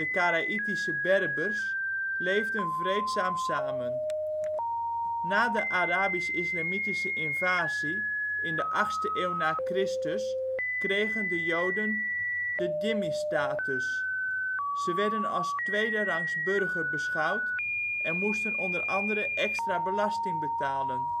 Karaïtische Berbers, leefden vreedzaam samen. Na de Arabisch-islamitische invasie in de achtste eeuw na Chr. kregen de Joden de ' dhimmi-status ', ze werden als tweederangs burger beschouwd en moesten o.a. extra belasting betalen